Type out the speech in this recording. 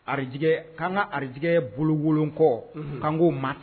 Araj k' kan ka ararijɛgɛ bolo wolon kɔ k'anko ma tɛ